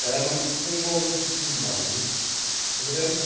But then when, when Roman Keating's boy... is it him?